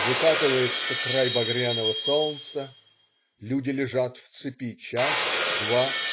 Выкатывается край багряного солнца. Люди лежат в цепи час, два.